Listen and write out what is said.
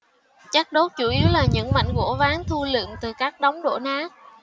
chất đốt chủ yếu là những mảnh gỗ ván thu lượm từ các đống đổ nát